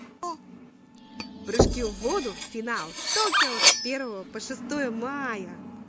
прыжки в воду финал токио с первого по шестое мая